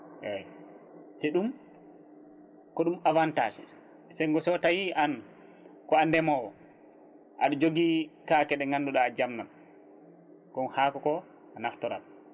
eyyi te ɗum ko ɗum avantage senggo so tawi an ko a ndemowo aɗa jogui kake ɗe ganduɗa a jamnat ko haako ko a naftorat